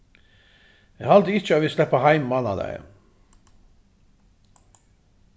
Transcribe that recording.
eg haldi ikki at vit sleppa heim mánadagin